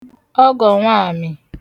ọgọ̀ nwamị̀